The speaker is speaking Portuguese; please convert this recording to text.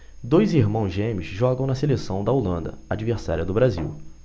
dois irmãos gêmeos jogam na seleção da holanda adversária do brasil